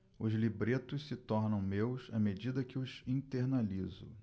os libretos se tornam meus à medida que os internalizo